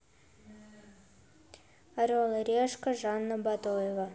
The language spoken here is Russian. орел и решка жанна бадоева